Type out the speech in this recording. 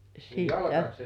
ja sitten